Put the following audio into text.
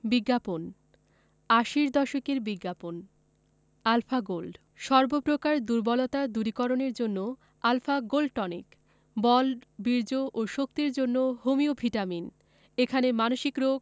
বিজ্ঞাপন আশির দশকের বিজ্ঞাপন আলফা গোল্ড সর্ব প্রকার দুর্বলতা দূরীকরণের জন্য আল্ফা গোল্ড টনিক –বল বীর্য ও শক্তির জন্য হোমিও ভিটামিন এখানে মানসিক রোগ